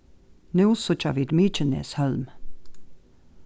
nú síggja vit mykineshólm